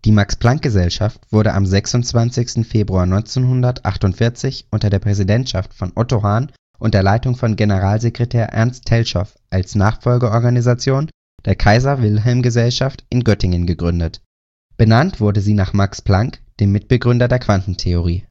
Max-Planck-Gesellschaft wurde am 26. Februar 1948 unter der Präsidentschaft von Otto Hahn und der Leitung von Generalsekretär Ernst Telschow als Nachfolgeorganisation der Kaiser-Wilhelm-Gesellschaft (KWG) in Göttingen gegründet. Benannt wurde sie nach Max Planck, dem Mitbegründer der Quantentheorie